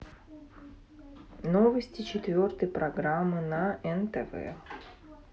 новости четвертой программы на нтв